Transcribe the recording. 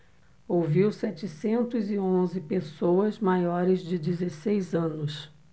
ouviu setecentos e onze pessoas maiores de dezesseis anos